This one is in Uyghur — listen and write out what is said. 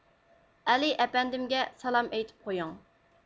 ئەلى ئەپەندىمگە سالام ئېيتىپ قويۇڭ